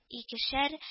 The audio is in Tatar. Икешәр